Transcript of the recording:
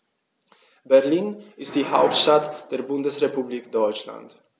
Berlin ist die Hauptstadt der Bundesrepublik Deutschland.